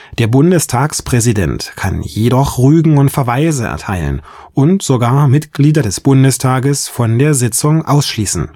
Der Bundestagspräsident kann jedoch Rügen und Verweise erteilen und sogar Mitglieder des Bundestages von der Sitzung ausschließen